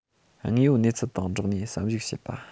དངོས ཡོད གནས ཚུལ དང སྦྲགས ནས བསམ གཞིགས བྱེད པ